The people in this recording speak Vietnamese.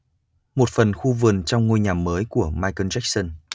một phần khu vườn trong ngôi nhà mới của michael jackson